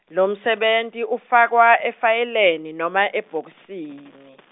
lomsebenti ufakwa efayeleni noma ebhokisini.